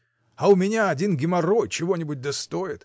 А у меня один геморрой чего-нибудь да стоит!